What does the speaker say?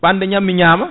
ɓamde ñam mi ñama